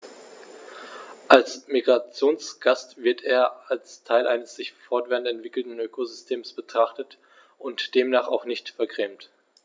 Als Migrationsgast wird er als Teil eines sich fortwährend entwickelnden Ökosystems betrachtet und demnach auch nicht vergrämt.